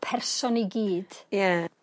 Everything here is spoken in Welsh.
person i gyd. Ie.